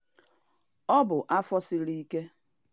Ọ bụ afọ siri ike.